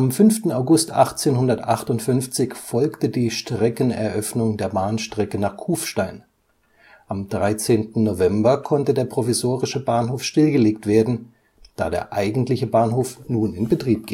5. August 1858 folgte die Streckeneröffnung der Bahnstrecke nach Kufstein, am 13. November konnte der provisorische Bahnhof stillgelegt werden, da der eigentliche Bahnhof nun in Betrieb